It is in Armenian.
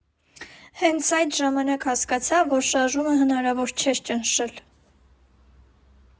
Հենց այդ ժամանակ հասկացա, որ շարժումը հնարավոր չէր ճնշել.